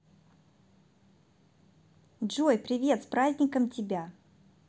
джой привет с праздником тебя